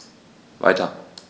Weiter.